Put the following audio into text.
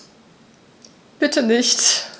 Bitte nicht.